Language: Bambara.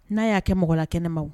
Na ya kɛ mɔgɔ la kɛnɛma wu